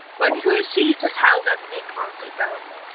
Like who is she to tell them that they can't sit down there.